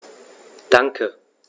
Danke.